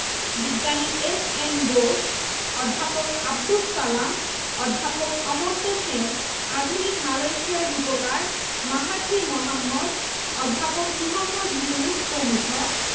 বিজ্ঞানী এস.এন বোস অধ্যাপক আবদুস সালাম অধ্যাপক অমর্ত্য সেন আধুনিক মালয়েশিয়ার রূপকার মাহাথির মোহাম্মদ অধ্যাপক মুহম্মদ ইউনুস প্রমুখ